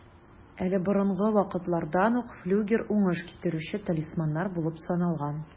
Әле борынгы вакытлардан ук флюгер уңыш китерүче талисманнар булып саналган.